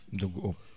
dugg ub